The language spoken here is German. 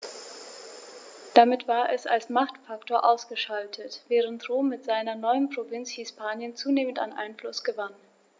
Damit war es als Machtfaktor ausgeschaltet, während Rom mit seiner neuen Provinz Hispanien zunehmend an Einfluss gewann.